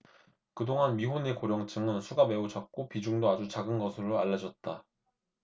그동안 미혼의 고령층은 수가 매우 적고 비중도 아주 작은 것으로 알려졌다